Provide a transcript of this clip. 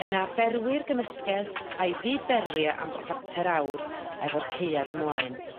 Yna berwi'r gymysgedd a'i fyd-ferwi e am chwarter awr efo'r caead ymlaen.